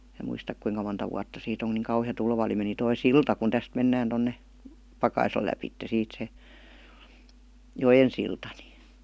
minä muista kuinka monta vuotta siitä on kun niin kauhea tulva oli meni tuo silta kun tästä mennään tuonne Pakaislan lävitse siitä se joen silta niin